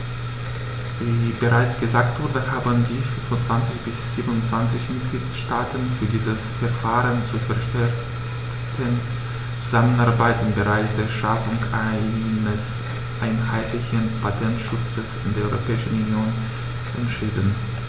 Wie bereits gesagt wurde, haben sich 25 der 27 Mitgliedstaaten für dieses Verfahren zur verstärkten Zusammenarbeit im Bereich der Schaffung eines einheitlichen Patentschutzes in der Europäischen Union entschieden.